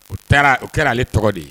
O taara o kɛra ale tɔgɔ de ye